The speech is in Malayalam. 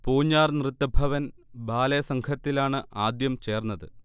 പൂഞ്ഞാർ നൃത്തഭവൻ ബാലെ സംഘത്തിലാണ് ആദ്യം ചേർന്നത്